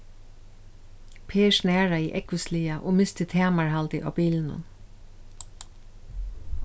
per snaraði ógvusliga og misti tamarhaldið á bilinum